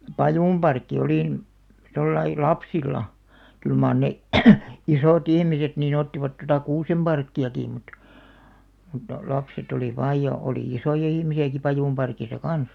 pajunparkki oli mm tuolla lailla lapsilla kyllä mar ne isot ihmiset niin ottivat tuota kuusenparkkiakin mutta mutta lapset oli vain ja oli isoja ihmisiäkin pajunparkissa kanssa